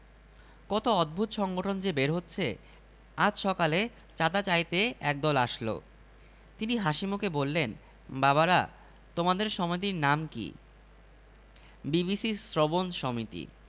এই কুৎসিত প্রাণী মানুষের কোন উপকারে আসে বলে তো তিনি জানেন না ভোটাররা কুমীরের নাম শুনলেই পিছিয়ে যাবে তিনি কল্পনায় পরিষ্কার দেখছেন লােকে বলাবলি করছে খাল কেটে কুমীর আনবেন না